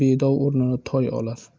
bedov o'rnini toy olar